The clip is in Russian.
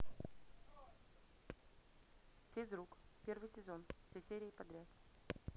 физрук первый сезон все серии подряд